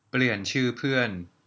เปลี่ยนชื่อเพื่อน